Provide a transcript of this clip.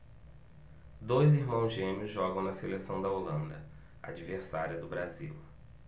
dois irmãos gêmeos jogam na seleção da holanda adversária do brasil